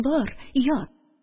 Бар, ят